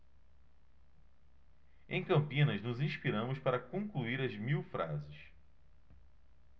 em campinas nos inspiramos para concluir as mil frases